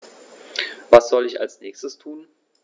Was soll ich als Nächstes tun?